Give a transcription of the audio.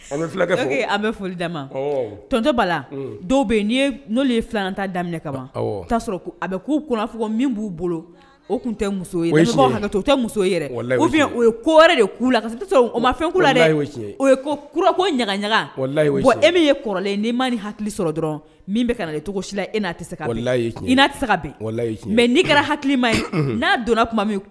Bɛ' min b'u bolo o tun muso o ye ko wɛrɛ de o ma ɲaga e min ye kɔrɔlen ni ma hakili sɔrɔ dɔrɔn min cogo e tɛ' kɛra hakili ma'a donna tuma